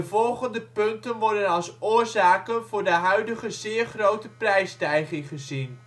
volgende punten worden als oorzaken voor de huidige zeer grote prijsstijging gezien